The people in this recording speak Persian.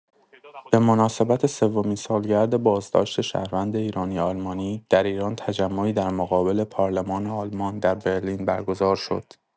به مناسبت سومین سالگرد بازداشت شهروند ایرانی آلمانی، در ایران تجمعی در مقابل پارلمان آلمان در برلین برگزار شد.